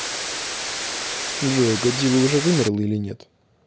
джой а годзилла уже вымерла или нет